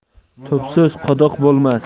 tubsiz quduq bo'lmas